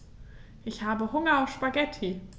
Ich habe Hunger auf Spaghetti.